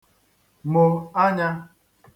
mò anya